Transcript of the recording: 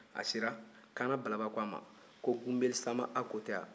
a sera kaana balaba ko a ma ko gunbeli sanba hako tɛ wa